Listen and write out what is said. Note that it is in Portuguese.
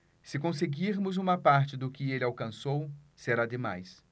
se conseguirmos uma parte do que ele alcançou será demais